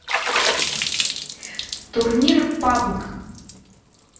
турнир пабг